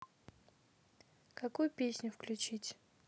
какую песню включить